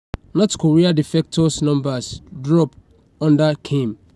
North Korea defector numbers 'drop' under Kim